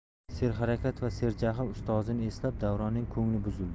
serharakat va serjahl ustozini eslab davronning ko'ngli buzildi